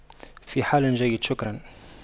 في حال جيد شكرا